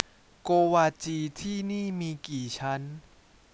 โกวาจีที่นี่มีกี่ชั้น